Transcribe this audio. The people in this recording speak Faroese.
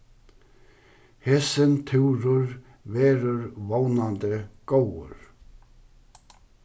hesin túrur verður vónandi góður